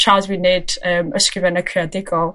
tra dwi neud yym ysgrifennu creadigol